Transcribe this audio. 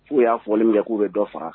F'u y'a fɔlen kɛ k'u bɛ dɔ faga